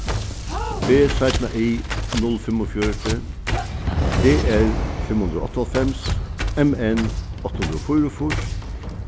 b y null fimmogfjøruti d r fimm hundrað og áttaoghálvfems m n átta hundrað og fýraogfýrs